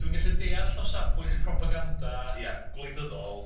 Dwi'n gallu deall o safbwynt propaganda... Ie... Gwleidyddol.